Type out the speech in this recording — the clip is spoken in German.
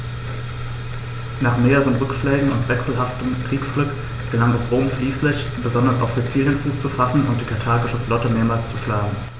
Nach mehreren Rückschlägen und wechselhaftem Kriegsglück gelang es Rom schließlich, besonders auf Sizilien Fuß zu fassen und die karthagische Flotte mehrmals zu schlagen.